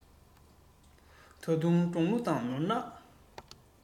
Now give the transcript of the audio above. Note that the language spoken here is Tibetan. ད དུང འབྲོང ཁྱུ དང ནོར གནག